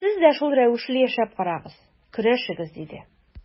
Сез дә шул рәвешле яшәп карагыз, көрәшегез, диде.